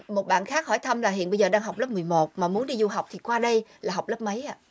một bạn khác hỏi thăm là hiện bây giờ đang học lớp mười một mà muốn đi du học qua đây là học lớp mấy ạ